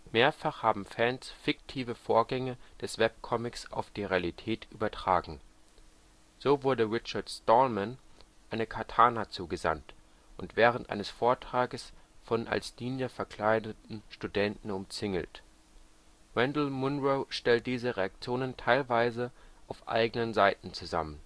Mehrfach haben Fans fiktive Vorgänge des Webcomics auf die Realität übertragen. So wurde Richard Stallman eine Katana zugesandt und er während eines Vortrages von als Ninjas verkleideten Studenten umzingelt. Randall Munroe stellt diese Reaktionen teilweise auf eigenen Seiten zusammen